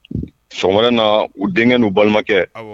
Son wɛrɛ na u denkɛ n uu balimakɛ